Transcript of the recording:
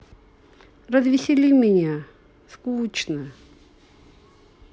развесели меня скучно